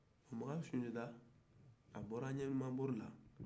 magan sunjata a ye taama kɛ